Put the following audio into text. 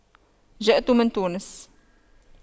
جئت من تونس